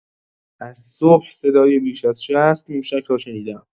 از صبح صدای بیش از ۶۰ موشک را شنیده‌ام.